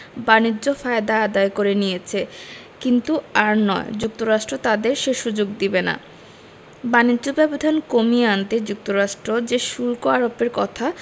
বাণিজ্য ফায়দা আদায় করে নিয়েছে কিন্তু আর নয় যুক্তরাষ্ট্র তাদের সে সুযোগ দেবে না বাণিজ্য ব্যবধান কমিয়ে আনতে যুক্তরাষ্ট্র যে শুল্ক আরোপের কথা